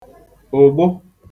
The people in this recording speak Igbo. ụ̀gbụ